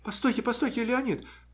Постойте, постойте, Леонид,